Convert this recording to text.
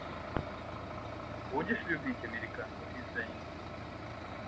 будешь любить американцев если они нас убьют